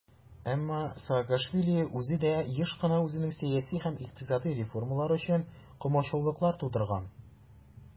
Әмма Саакашвили үзе дә еш кына үзенең сәяси һәм икътисади реформалары өчен комачаулыклар тудырган.